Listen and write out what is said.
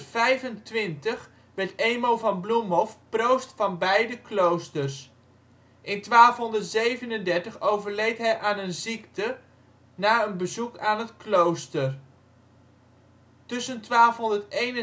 In 1225 werd Emo van Bloemhof proost van beide kloosters. In 1237 overleed hij aan een ziekte na een bezoek aan het klooster. Tussen 1261 en 1266